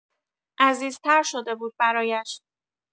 عزیزتر شده بود برایش